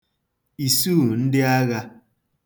ìsuùndịaghā